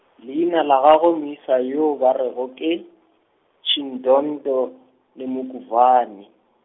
leina la gagwe moisa yo ba re go ke, Shidondho Nemukovhani.